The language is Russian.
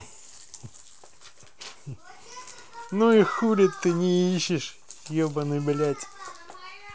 ну и хули ты не ищешь ебаный блядь